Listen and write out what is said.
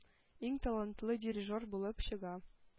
Иң талантлы “дирижер” булып чыга.